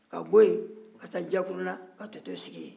ka bɔ yen ka taa jakuruna ka toto sigi yen